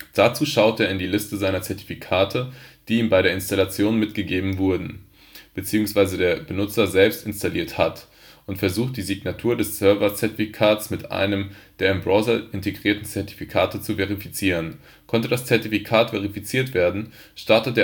Dazu schaut er in die Liste seiner Zertifikate, die ihm bei der Installation mitgegeben wurden bzw. der Benutzer selbst installiert hat und versucht die Signatur des Server-Zertifikats mit einem der im Browser integrierten Zertifikate zu verifizieren. Konnte das Zertifikat verifiziert werden, startet